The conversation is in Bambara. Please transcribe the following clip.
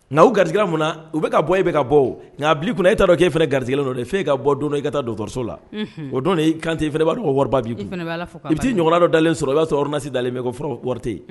Ŋa u garisigɛira mun na u be ka bɔ e bɛ ka bɔ o ŋ'a bil'i kunna e t'a dɔn k'e fɛnɛ garisigɛlen don dɛ f'e ka bɔ don dɔ i ka taa dɔgɔtɔrɔso la unhun o don de i Kante i fɛnɛ b'a dɔn ko wɔri ba b'i kun fɛnɛ Ala fo k'a barikada i bi t'i ɲɔgɔna dɔ dalen sɔrɔ i b'a sɔrɔ ordonnance dalen bɛ ko fura ko wɔri te ye